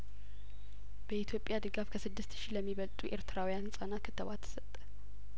በኢትዮጵያ ድጋፍ ከስድስት ሺህ ለሚ በልጡ ኤርትራውያን ህጻናት ክትባት ተሰጠ